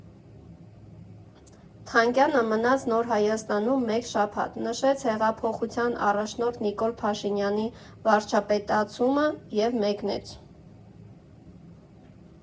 Թանգյանը մնաց Նոր Հայաստանում մեկ շաբաթ, նշեց հեղափոխության առաջնորդ Նիկոլ Փաշինյանի վարչապետացումը և մեկնեց։